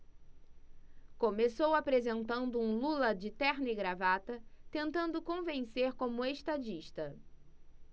começou apresentando um lula de terno e gravata tentando convencer como estadista